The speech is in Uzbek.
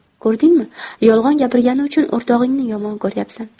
ko'rdingmi yolg'on gapirgani uchun o'rtog'ingni yomon ko'ryapsan